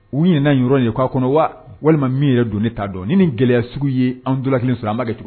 U ɲinɛna nin yɔrɔ in de kɔ a kɔnɔ wa walima min yɛrɛ don, ne t'a dɔn ni nin gɛlɛya sugu ye, an don la kelen sɔrɔ, an b'a kɛ cogo di ?